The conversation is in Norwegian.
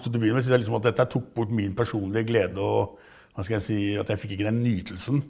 så det blir liksom at dette tok bort min personlige glede og hva skal jeg si at jeg fikk ikke den nytelsen.